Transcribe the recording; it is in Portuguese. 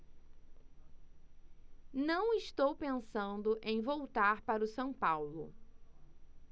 não estou pensando em voltar para o são paulo